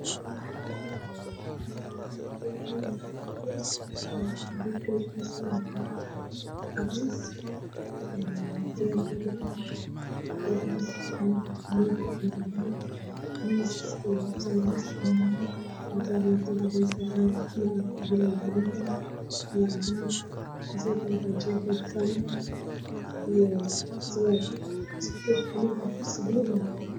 Waa nin oo fadhi xafiiska wato suud cadaan ah macrofan ayaa horyaal oo madow ah